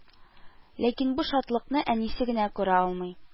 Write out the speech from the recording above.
Ләкин бу шатлыкны әнисе генә күрә алмый